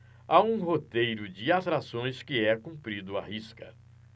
há um roteiro de atrações que é cumprido à risca